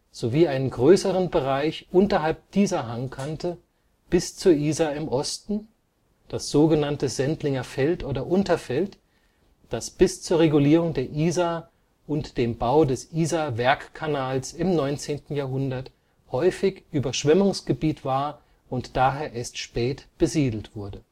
sowie einen größeren Bereich unterhalb dieser Hangkante bis zur Isar im Osten, das so genannte Sendlinger Feld oder Unterfeld, das bis zur Regulierung der Isar und dem Bau des Isar-Werkkanals im 19. Jahrhundert häufig Überschwemmungsgebiet war und daher erst spät besiedelt wurde